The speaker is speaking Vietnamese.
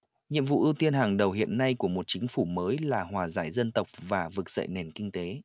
nhiệm vụ ưu tiên hàng đầu hiện nay của một chính phủ mới là hòa giải dân tộc và vực dậy nền kinh tế